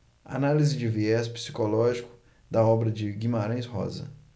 análise de viés psicológico da obra de guimarães rosa